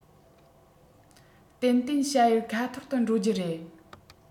ཏན ཏན བྱ ཡུལ ཁ ཐོར དུ འགྲོ རྒྱུ རེད